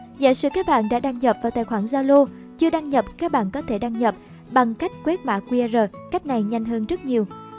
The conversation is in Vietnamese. giả sử các bạn đã đăng nhập vào tài khoản zalo chưa đăng nhập các bạn có thể đăng nhập bằng cách quét mã qr cách này nhanh hơn rất nhiêu